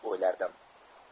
deb o'ylardim